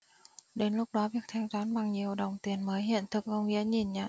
đến lúc đó việc thanh toán bằng nhiều đồng tiền mới hiện thực ông nghĩa nhìn nhận